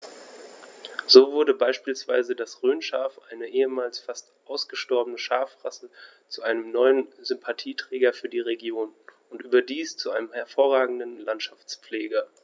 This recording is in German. So wurde beispielsweise das Rhönschaf, eine ehemals fast ausgestorbene Schafrasse, zu einem neuen Sympathieträger für die Region – und überdies zu einem hervorragenden Landschaftspfleger.